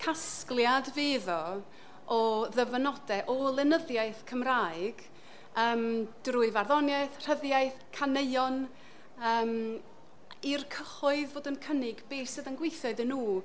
Casgliad fydd o o ddyfynodau o lenyddiaeth Cymraeg yym drwy farddoniaeth, rhyddiaeth, caneuon yym i'r cyhoedd fod yn cynnig be sydd yn gweithio iddyn nhw.